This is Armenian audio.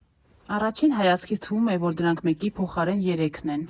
Առաջին հայացքից թվում է, որ դրանք մեկի փոխարեն երեքն են»։